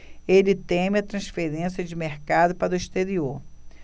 ele teme a transferência de mercado para o exterior